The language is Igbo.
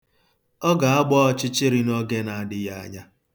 Ọ ga-agba ọchịchịrị n'oge na-adịghị anya.